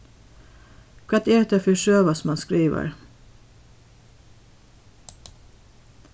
hvat er hetta fyri søga sum hann skrivar